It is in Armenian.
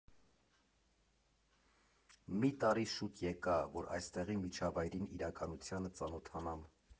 Մի տարի շուտ եկա, որ այստեղի միջավայրին, իրականությանը ծանոթանամ։